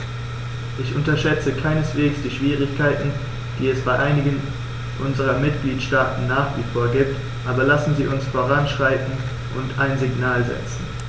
Ich unterschätze keineswegs die Schwierigkeiten, die es bei einigen unserer Mitgliedstaaten nach wie vor gibt, aber lassen Sie uns voranschreiten und ein Signal setzen.